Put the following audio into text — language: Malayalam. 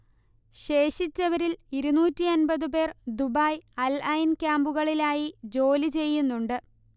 ശേഷിച്ചവരിൽ ഇരുന്നൂറ്റി അൻപതു പേർ ദുബായ്, അൽഐൻ ക്യാംപുകളിലായി ജോലി ചെയ്യുന്നുണ്ട്